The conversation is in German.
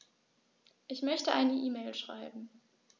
Ich möchte eine E-Mail schreiben.